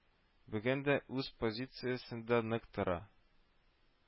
Бүген дә үз позициясендә нык тора